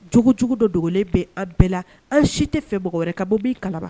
Jogojugu dɔ dogolen bɛ a bɛɛ la anw si tɛ fɛ mɔgɔ wɛrɛ ka bɔ min kalama